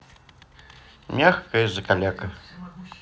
мягкая закаляка